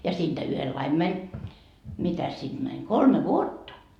ja siitä yhdellä lailla meni mitäs sitä meni kolme vuotta